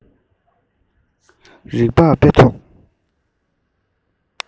རིག པ དཔེ ཐོག